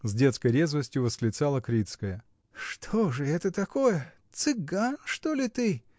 — с детской резвостью восклицала Крицкая. — Что же это такое? Цыган, что ли, ты?